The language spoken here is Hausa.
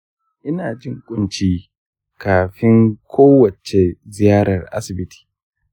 ina jin ƙunci kafin kowace ziyarar asibiti.